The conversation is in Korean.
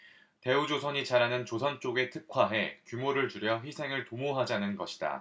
대우조선이 잘하는 조선 쪽에 특화해 규모를 줄여 회생을 도모하자는 것이다